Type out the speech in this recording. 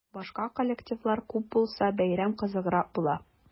Башка коллективлар күп булса, бәйрәм кызыграк була.